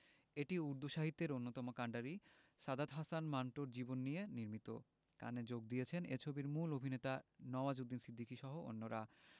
এটি উর্দু সাহিত্যের অন্যতম কান্ডারি সাদাত হাসান মান্টোর জীবন নিয়ে নির্মিত কানে যোগ দিয়েছেন এ ছবির মূল অভিনেতা নওয়াজুদ্দিন সিদ্দিকীসহ অন্যরা